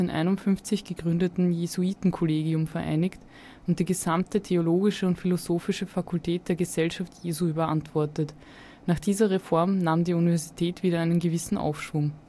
1551 gegründeten Jesuitenkollegium vereinigt und die gesamte theologische und philosophische Fakultät der Gesellschaft Jesu überantwortet. Nach dieser Reform nahm die Universität wieder einen gewissen Aufschwung